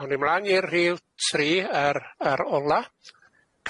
Awn ni mlawn i'r rhif tri yr yr ola.